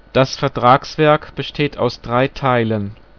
Das Vertragswerk besteht aus drei Teilen